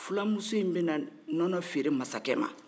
filamuso in bɛ na nɔnɔ feere masakɛ man